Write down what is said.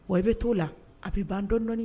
Wa i bɛ t to'o la a bɛ bandɔɔni